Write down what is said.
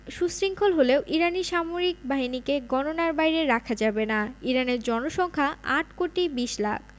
সুশৃঙ্খল হলেও ইরানি সামরিক বাহিনীকে গণনার বাইরে রাখা যাবে না ইরানের জনসংখ্যা ৮ কোটি ২০ লাখ